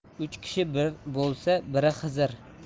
uch kishi bir bo'lsa biri xizir